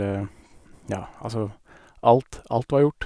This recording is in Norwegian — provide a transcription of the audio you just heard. Ja, altså, alt alt var gjort.